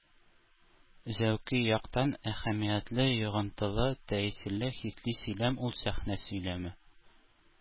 Зәүкый яктан әһәмиятле, йогынтылы, тәэсирле, хисси сөйләм ул — сәхнә сөйләме.